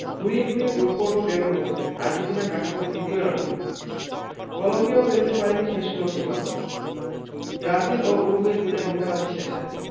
খুঁড়িয়ে খুঁড়িয়ে গ্রুপপর্ব পেরনো আর্জেন্টিনা কাটা পড়ে দ্বিতীয় রাউন্ডেই কলম্বিয়াও পেরোতে পারেনি শেষ ষোলোর সীমানা ব্রাজিল ও উরুগুয়ের বিদায়ঘণ্টা বাজে শেষ আটে